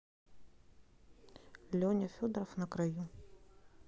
леня федоров на краю